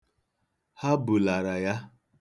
Ha bulara ya.